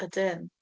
Ydyn.